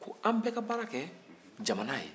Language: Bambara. ko an bɛɛ ka baara kɛ jamana ye